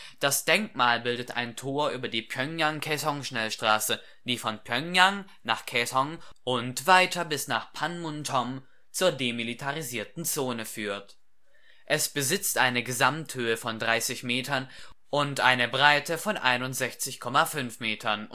Das Denkmal bildet ein Tor über die Pjöngjang-Kaesŏng-Schnellstraße, die von Pjöngjang nach Kaesŏng und weiter bis nach Panmunjeom zur Demilitarisierten Zone führt. Es besitzt eine Gesamthöhe von 30 Metern und eine Breite von 61,50 Metern